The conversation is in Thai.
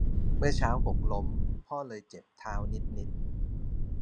เมื่อเช้าหกล้มพ่อเลยเจ็บเท้านิดนิด